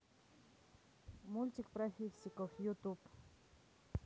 мультик про фиксиков ютуб